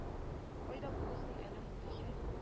Кайда булды соң әле мондый хәл